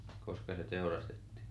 koska se teurastettiin